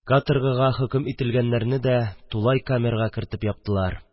Каторгага хөкем ителгәннәрне тулай камерага кертеп яптылар.